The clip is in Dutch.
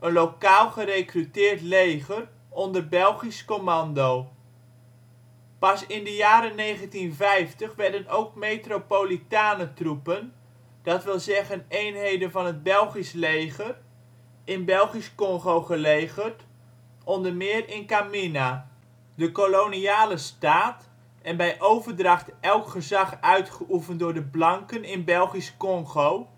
lokaal gerecruteerd leger onder Belgisch commando. Pas in de jaren 1950 werden ook metropolitane troepen, dat wil zeggen eenheden van het Belgisch leger, in Belgisch-Kongo gelegerd - onder meer in Kamina. Koning Albert I en koningin Elisabeth bezoeken het militaire kamp van Leopoldstad tijdens hun reis doorheen Belgisch-Kongo, 1928. De koloniale staat - en bij overdracht elk gezag uitgeoefend door de blanken in Belgisch-Kongo